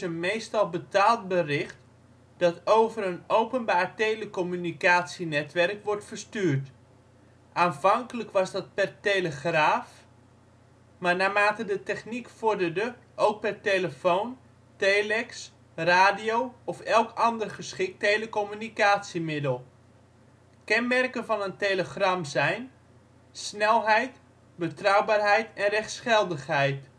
meestal) betaald bericht dat over een openbaar telecommunicatienetwerk wordt verstuurd. Aanvankelijk was dat per telegraaf (verreschrijver), maar naarmate de techniek vorderde ook per telefoon, telex, radio of elk ander geschikt telecommunicatiemiddel. Kenmerken van een telegram zijn: snelheid, betrouwbaarheid en rechtsgeldigheid